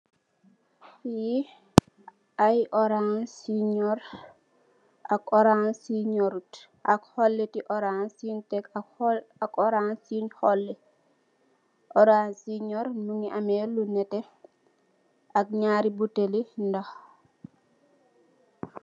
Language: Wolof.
Li ay orance yu nurr ak orance yu nurlut ak holite orance yun tekk fa ak orance yun holi. Orance yu nurr nungi ameh lu nete ak naari buteel li ndoh.